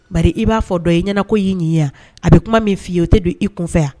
Bari i b'a fɔ dɔ ye i ɲɛna ko y'i ɲin ye wa, a bɛ kuma min f'i ye, o tɛ don i kun fɛ wa.